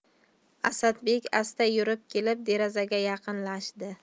asadbek asta yurib kelib derazaga yaqinlashdi